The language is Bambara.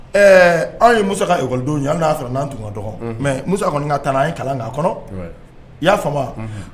Anw ye muso kadona sɔrɔ n' tun mɛ mu kɔni ka taa a ye kalan n'a kɔnɔ i y'a fa wa